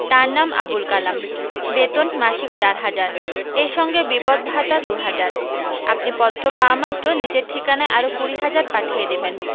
তার নাম আবুল কালাম বেতন মাসিক চার হাজার এই সঙ্গে বিপদ ভাতা দুহাজার আপনি পত্র পাওয়ামাত্র নিচের ঠিকানায় আরো কুড়ি হাজার পাঠিয়ে দেবেন